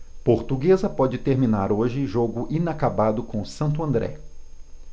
portuguesa pode terminar hoje jogo inacabado com o santo andré